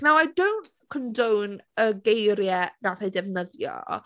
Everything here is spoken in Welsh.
Now, I don't condone y geiriau wnaeth e defnyddio.